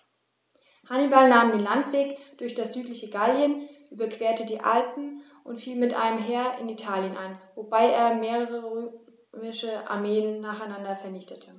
Hannibal nahm den Landweg durch das südliche Gallien, überquerte die Alpen und fiel mit einem Heer in Italien ein, wobei er mehrere römische Armeen nacheinander vernichtete.